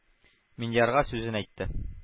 Миндиярга сүзен әйтте: